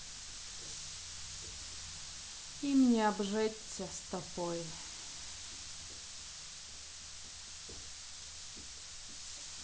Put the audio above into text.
им не обжеться стопой